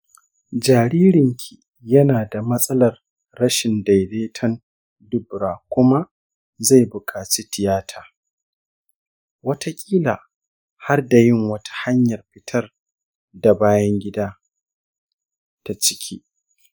jaririnki yana da matsalar rashin daidaiton dubura kuma zai buƙaci tiyata, watakila har da yin wata hanyar fitar da bayan gida ta ciki.